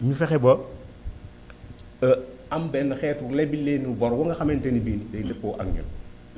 ñu fexe ba am benn xeetu leblinu bor ba nga xamante ni bi day dëppoo ak ñoom